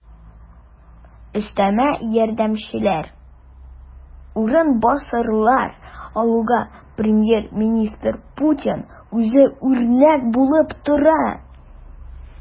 Өстәмә ярдәмчеләр, урынбасарлар алуга премьер-министр Путин үзе үрнәк булып тора.